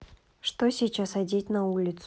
что сейчас одеть на улицу